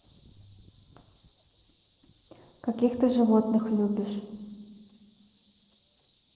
каких ты животных любишь